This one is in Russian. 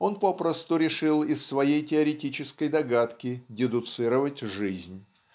Он попросту решил из своей теоретической догадки дедуцировать жизнь